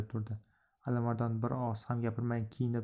alimardon bir og'iz ham gapirmay kiyindi